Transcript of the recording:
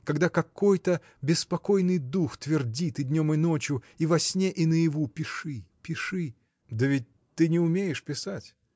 когда какой-то беспокойный дух твердит и днем и ночью и во сне и наяву пиши, пиши. – Да ведь ты не умеешь писать?